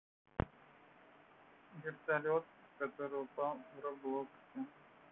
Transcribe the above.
вертолет который упал в роблоксе